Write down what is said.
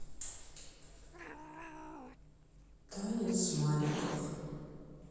танец смайликов